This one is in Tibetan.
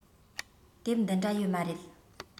དེབ འདི འདྲ ཡོད མ རེད